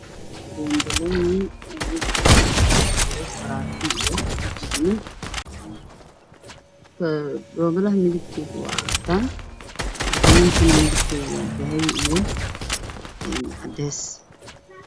Waa banbalooyin ay ku jiraan farantiyo iyo jajimoyin kalooyinka midabkoodu waa cadaan jijjimaha iyo faraantayaashana waa dahabi